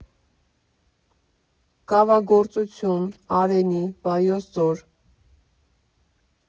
Կավագործություն, Արենի, Վայոց Ձոր։